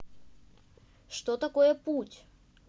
что такое путь